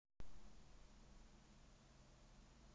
я сейчас уйду